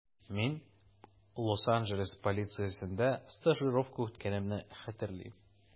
Мин Лос-Анджелес полициясендә стажировка үткәнемне хәтерлим.